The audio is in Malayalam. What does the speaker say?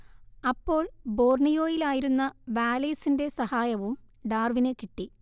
അപ്പോൾ ബോർണിയോയിലായിരുന്ന വാലേസിന്റെ സഹായവും ഡാർവിന് കിട്ടി